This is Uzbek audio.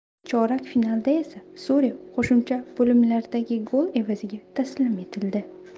chorak finalda esa suriya qo'shimcha bo'limlardagi gol evaziga taslim etildi